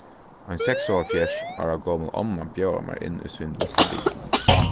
ein seksoghálvfjerðs ára gomul omma bjóðaði mær inn í sín lítla bil